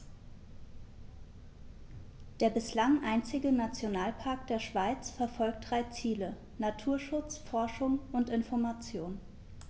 Der bislang einzige Nationalpark der Schweiz verfolgt drei Ziele: Naturschutz, Forschung und Information.